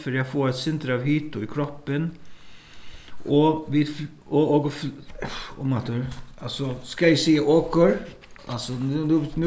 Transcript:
fyri at fáa eitt sindur av hita í kroppin og vit og okur umaftur altso skal eg siga okur altso